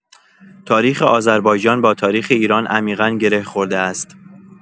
تاریخ آذربایجان با تاریخ ایران عمیقا گره خورده است.